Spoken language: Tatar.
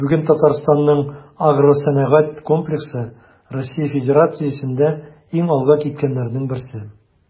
Бүген Татарстанның агросәнәгать комплексы Россия Федерациясендә иң алга киткәннәрнең берсе.